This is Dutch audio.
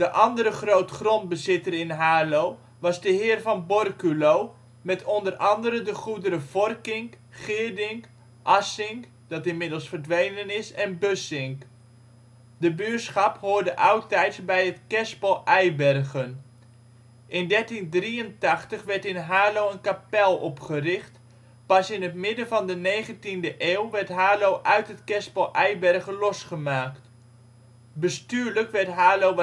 andere grootgrondbezitter in Haarlo was de heer van Borculo, met onder andere de goederen Vorkink, Geerdink, Assink (verdwenen) en Bussink. De buurschap hoorde oudtijds bij het kerspel Eibergen. In 1383 werd in Haarlo een kapel opgericht. Pas in het midden van de 19e eeuw werd Haarlo uit het kerspel Eibergen losgemaakt. Bestuurlijk werd Haarlo